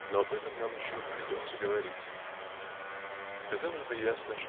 Но об этом нам еще придется говорить. Казалось бы ясно